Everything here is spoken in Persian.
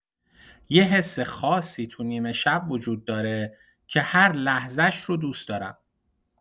یه حس خاصی تو نیمه‌شب وجود داره که هر لحظه‌ش رو دوست دارم.